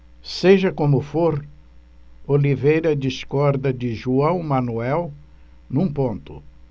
seja como for oliveira discorda de joão manuel num ponto